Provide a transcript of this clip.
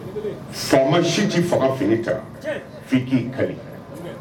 Fa si ci fanga fini ta k'i kari